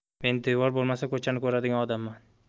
men devor bo'lmasa ko'chani ko'radigan odamman